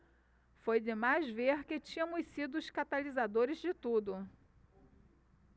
foi demais ver que tínhamos sido os catalisadores de tudo